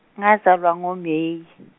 ngazalwa no- May .